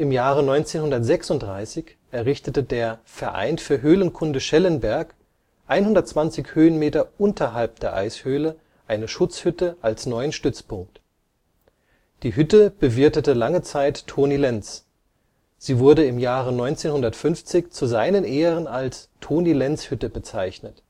Jahre 1936 errichtete der Verein für Höhlenkunde Schellenberg 120 Höhenmeter unterhalb der Eishöhle eine Schutzhütte als neuen Stützpunkt. Die Hütte bewirtete lange Zeit Toni Lenz. Sie wurde im Jahre 1950 zu seinen Ehren als Toni-Lenz-Hütte bezeichnet